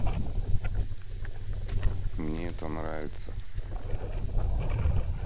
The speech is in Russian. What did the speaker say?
мне это нравится